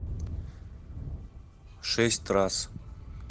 шесть раз